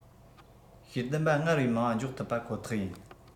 ཤེས ལྡན པ སྔར བས མང བ འཇོག ཐུབ པ ཁོ ཐག ཡིན